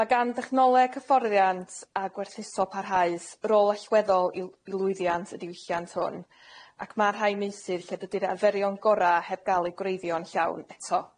Ma' gan dechnoleg hyfforddiant a gwerthuso parhaus rôl allweddol i l- i lwyddiant y diwylliant hwn ac ma' rhai meysydd lle dydi'r arferion gora' heb ga'l eu gwreiddio'n llawn eto.